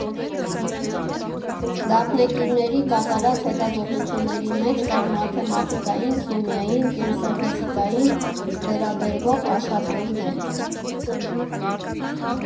Դափնեկիրների կատարած հետազոտությունների մեջ կան մաթեմատիկային, քիմիային, կենսաֆիզիկային վերաբերվող աշխատանքներ։